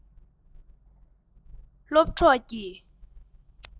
ལྟ ཞིབ བྱེད མཁས པའི